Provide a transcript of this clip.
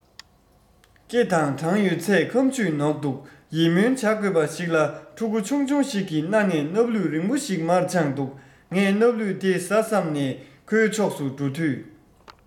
སྐེ དང བྲང ཡོད ཚད ཁམ ཆུས ནོག འདུག ཡིད སྨོན བྱ དགོས པ ཞིག ལ ཕྲུ གུ ཆུང ཆུང ཞིག གི སྣ ནས སྣ ལུད རིང པོ ཞིག མར དཔྱངས འདུག ངས སྣ ལུད དེ བཟའ བསམས ནས ཁོའི ཕྱོགས སུ འགྲོ དུས